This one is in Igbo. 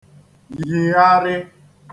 yìgharị